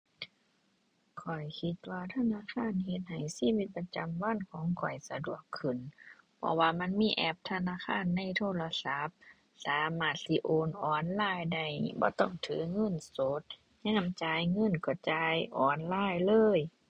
ข้อยคิดว่าธนาคารเฮ็ดให้ชีวิตประจำวันของข้อยสะดวกขึ้น เพราะว่ามันมีแอปธนาคารในโทรศัพท์ สามารถสิโอนออนไลน์ได้บ่ต้องถือเงินสด ยามจ่ายเงินก็จ่ายออนไลน์เลย